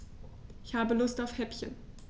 Ich habe Lust auf Häppchen.